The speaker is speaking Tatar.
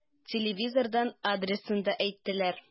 Телевизордан адресын да әйттеләр.